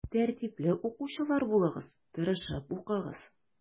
Тәртипле укучылар булыгыз, тырышып укыгыз.